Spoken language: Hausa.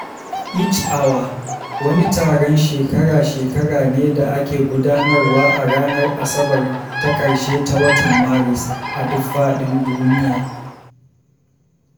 Each Hour wani taron shekara-shekara ne da ake gudanarwa a ranar Asabar ta ƙarshe ta watan Maris, a duk faɗin duniya.